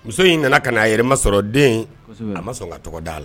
Muso in nana ka' a yɛrɛ masɔrɔ den a ma sɔn ka tɔgɔ d' a la